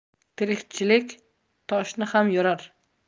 tirikchilik toshni ham yorar